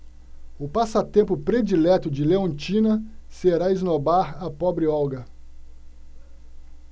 o passatempo predileto de leontina será esnobar a pobre olga